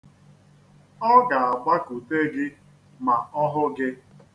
Ọ ga-agbakute gị ma ọ hụ gị.